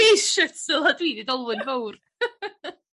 ...spaceship sylwad dwi 'di olwyn fowr.